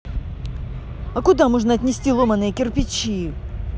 а куда можно отнести ломаные кирпичи